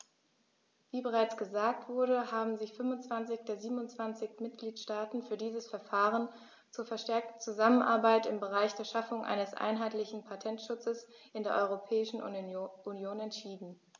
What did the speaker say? Wie bereits gesagt wurde, haben sich 25 der 27 Mitgliedstaaten für dieses Verfahren zur verstärkten Zusammenarbeit im Bereich der Schaffung eines einheitlichen Patentschutzes in der Europäischen Union entschieden.